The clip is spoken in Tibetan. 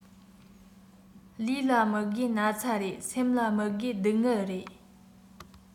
ལུས ལ མི དགོས ན ཚ རེད སེམས ལ མི དགོས སྡུག བསྔལ རེད